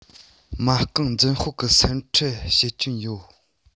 མ རྐང འཛིན ཤོག གི སེམས ཁྲལ བྱེད ཀྱིན ཡོད